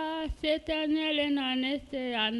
Pa se tɛ nelen na ne se yan na